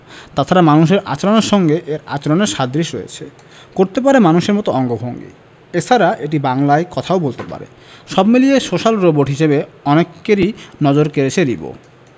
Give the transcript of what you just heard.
তাছাড়া মানুষের আচরণের সঙ্গে এর আচরণের সাদৃশ্য রয়েছে করতে পারে মানুষের মতো অঙ্গভঙ্গি এছাড়া এটি বাংলায় কথাও বলতে পারে সব মিলিয়ে সোশ্যাল রোবট হিসেবে অনেকেরই নজর কেড়েছে রিবো